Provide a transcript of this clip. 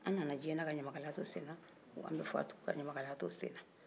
an nana diɲɛ na ka ɲamakalaya to senna wa an bɛ faatu ka ɲamakalaya to senna